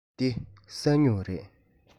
འདི ས སྨྱུག རེད